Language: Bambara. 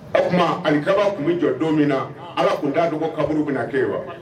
O tuma ani kaba tun bɛ jɔ don min na ala tun t'a dɔgɔ kaburu bɛna kɛ yen wa